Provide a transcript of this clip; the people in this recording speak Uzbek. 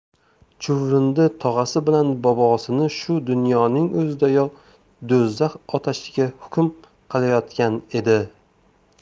chuvrindi tog'asi bilan bobosini shu dunyoning o'zidayoq do'zax otashiga hukm qilayotgan edi